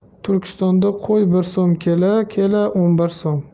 turkistonda qo'y bir so'm kela kela o'n bir so'm